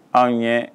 Anw ye.